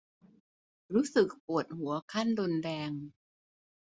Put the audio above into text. รู้สึกปวดหัวขั้นรุนแรง